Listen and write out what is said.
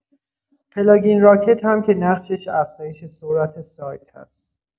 پلاگین راکت هم که نقشش افزایش سرعت سایت هست